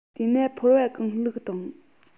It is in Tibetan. དེ ན ཕོར བ གང བླུགས དང